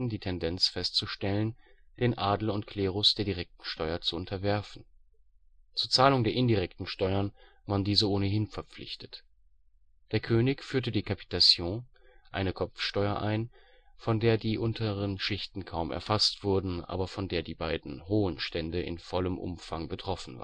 die Tendenz festzustellen, den Adel und Klerus der direkten Steuer zu unterwerfen. Zur Zahlung der indirekten Steuern waren diese ohnehin verpflichtet. Der König führte die „ capitation “– eine Kopfsteuer – ein, von der die unteren Schichten kaum erfasst wurden, aber von der die beiden hohen Stände in vollem Umfang betroffen